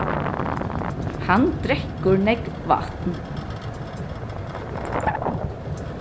hann drekkur nógv vatn